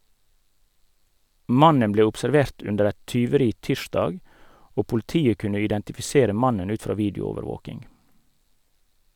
Mannen ble observert under et tyveri tirsdag og politiet kunne identifisere mannen ut fra videoovervåking.